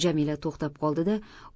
jamila to'xtab qoldi da